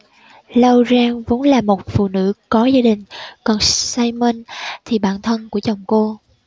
lauren vốn là một phụ nữ có gia đình còn simon thì bạn thân của chồng cô